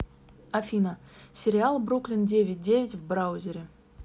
афина сериал бруклин девять девять в браузере